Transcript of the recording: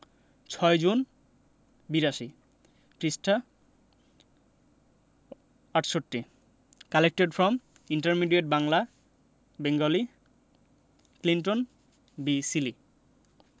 ৬ June পৃষ্ঠাঃ ৬৮ collected from intermediate Bangla Bengali Clinton B Seely